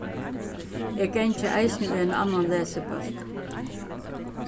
eg gangi eisini í ein annan lesibólk